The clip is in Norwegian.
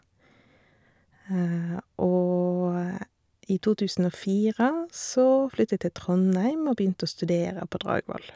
Og i to tusen og fire så flytta jeg til Trondheim og begynte å studere på Dragvoll.